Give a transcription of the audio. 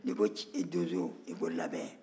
n'i ko donso i ko labɛn